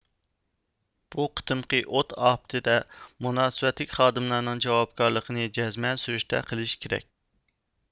بۇ قېتىمقى ئوت ئاپىتىدە مۇناسىۋەتلىك خادىملارنىڭ جاۋابكارلىقىنى جەزمەن سۈرۈشتە قىلىش كېرەك